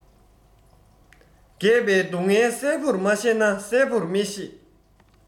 རྒས པའི སྡུག བསྔལ གསལ བོར མ བཤད ན གསལ བོར མི ཤེས